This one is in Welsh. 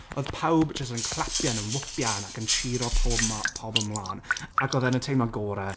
Oedd pawb jyst yn clapian, yn wwpian ac yn jîro pobm- pawb ymlaen ac oedd e'n y teimlad gorau.